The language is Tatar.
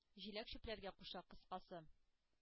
Җиләк чүпләргә куша, кыскасы.